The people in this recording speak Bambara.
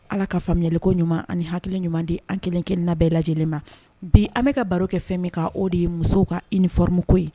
Ala ka faamuyaliko ɲuman ani hakili ɲuman di an kelenkelenna bɛɛ llajɛlen ma bi an bɛ ka baro kɛ fɛn min kan o de ye musow ka uniforme ko ye